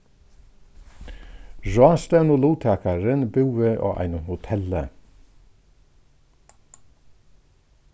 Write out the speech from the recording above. ráðstevnuluttakarin búði á einum hotelli